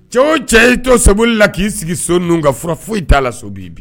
Cɛw cɛ y'i to sababu la k'i sigi so ninnu ka fura foyi t'a la so bi i bi